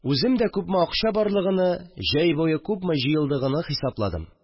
Үзем дә күпме акча барлыгыны, җәй буе күпме җыелдыгыны хисапладым